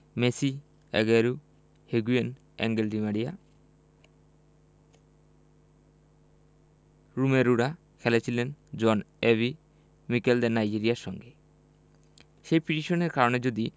Messi Aguero Higuain Angel di Maria রোমেরোরা খেলেছিলেন John Obi মিকেলদের নাইজেরিয়ার সঙ্গে এই পিটিশনের কারণে যদি